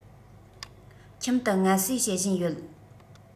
ཁྱིམ དུ ངལ གསོས བྱེད བཞིན ཡོད